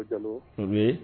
Jamu ye